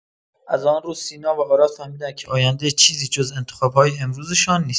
از آن روز، سینا و آراد فهمیدند که آینده، چیزی جز انتخاب‌های امروزشان نیست!